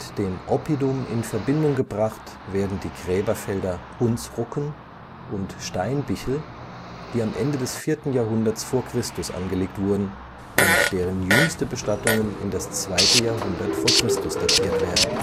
dem Oppidum in Verbindung gebracht werden die Gräberfelder „ Hundsrucken “und „ Steinbichel “, die am Ende des 4. Jahrhunderts v. Chr. angelegt wurden und deren jüngste Bestattungen in das 2. Jahrhundert v. Chr. datiert werden